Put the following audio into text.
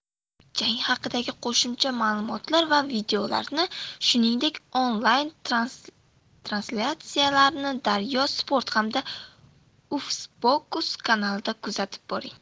jang haqidagi qo'shimcha ma'lumotlar va videolarni shuningdek onlayn translyatsiyalarni daryo sport hamda ufcboxuz kanalida kuzatib boring